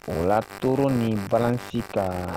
Wula lato ni barasi ta